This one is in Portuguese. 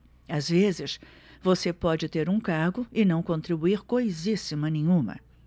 às vezes você pode ter um cargo e não contribuir coisíssima nenhuma